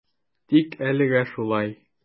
Тик әлегә шулай.